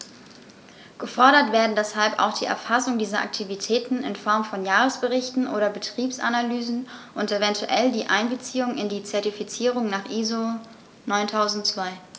Gefordert werden deshalb auch die Erfassung dieser Aktivitäten in Form von Jahresberichten oder Betriebsanalysen und eventuell die Einbeziehung in die Zertifizierung nach ISO 9002.